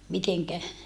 miten